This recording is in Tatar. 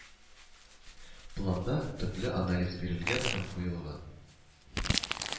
Планда төпле анализ бирелгән һәм куелган